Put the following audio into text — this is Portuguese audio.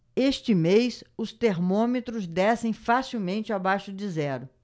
este mês os termômetros descem facilmente abaixo de zero